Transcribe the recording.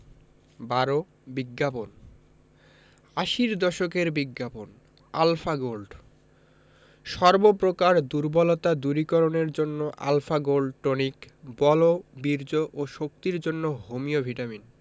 ১২ বিজ্ঞাপন আশির দশকের বিজ্ঞাপন আলফা গোল্ড সর্ব প্রকার দুর্বলতা দূরীকরণের জন্য আল্ ফা গোল্ড টনিক –বল বীর্য ও শক্তির জন্য হোমিও ভিটামিন